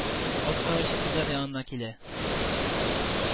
Ат караучы кызлар янына килә